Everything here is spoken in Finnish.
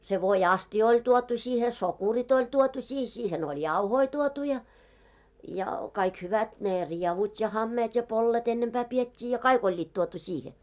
se voiastia oli tuotu siihen sokerit oli tuotu siihen siihen oli jauhoja tuotu ja ja kaikki hyvät ne rievut ja hameet ja pollet ennempää pidettiin ja kaikki olivat tuotu siihen